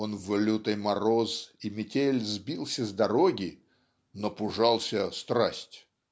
Он "в лютый мороз" и метель сбился с дороги, "напужался страсть"